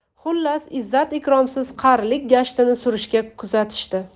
xullas izzat ikromsiz qarilik gashtini surishga kuzatishdi